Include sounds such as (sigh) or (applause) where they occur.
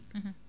(hesitation) (hesitation)